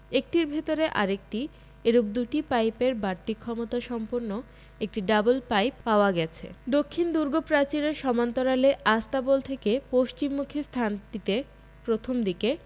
একটির ভেতরে আরেকটি এরূপ দুটি পাইপের বাড়তি ক্ষমতা সম্পন্ন একটি ডাবল পাইপ পাওয়া গেছে দক্ষিণ দুর্গপ্রাচীরের সমান্তরালে আস্তাবল থেকে পশ্চিমমুখি স্থানটিতে প্রথম দিকে